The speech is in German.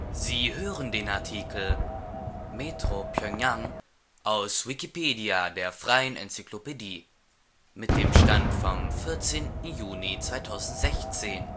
Sie hören den Artikel Metro Pjöngjang, aus Wikipedia, der freien Enzyklopädie. Mit dem Stand vom Der